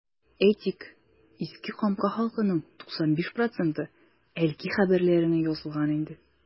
Әйтик, Иске Камка халкының 95 проценты “Әлки хәбәрләре”нә язылган инде.